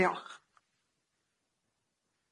Diolch.